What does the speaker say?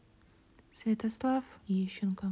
святослав ещенко